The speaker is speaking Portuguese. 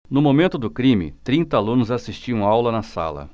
no momento do crime trinta alunos assistiam aula na sala